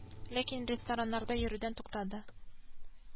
Ләкин рестораннарда йөрүдән туктады